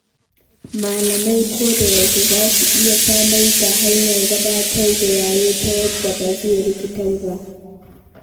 Malamai ko da yaushe za su iya samar da hanya gabatar da yare ta yadda ba zai rikitar ba.